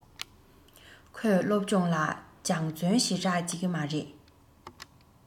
ཁོས སློབ སྦྱོང ལ སྦྱང བརྩོན ཞེ དྲགས བྱེད ཀྱི མ རེད